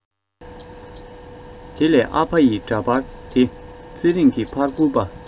དེ ལས ཨ ཕ ཡི འདྲ པར དེ ཚེ རིང གི ཕར བསྐུར པ